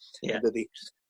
Ia. Yndydi?